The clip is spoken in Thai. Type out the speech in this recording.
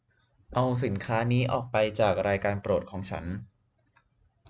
เอาสินค้านี้ออกไปจากรายการโปรดของฉัน